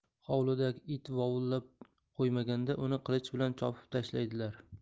hovlidagi it vovullab qo'ymaganda uni qilich bilan chopib tashlaydilar